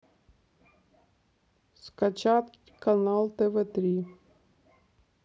скачать канал тв три